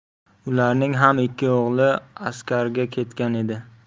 ularning ham ikki o'g'li askarga ketgan edi